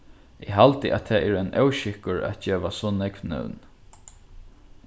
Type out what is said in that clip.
eg haldi tað er ein óskikkur at geva so nógv nøvn